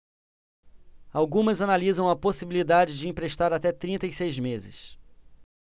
algumas analisam a possibilidade de emprestar até trinta e seis meses